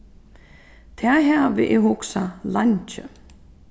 tað havi eg hugsað leingi